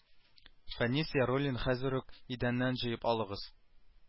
Фәнис яруллин хәзер үк идәннән җыеп алыгыз